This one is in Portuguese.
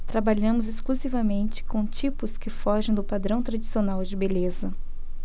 trabalhamos exclusivamente com tipos que fogem do padrão tradicional de beleza